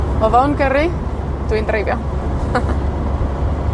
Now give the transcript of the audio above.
Odd o'n gyrru, dwi'n dreifio.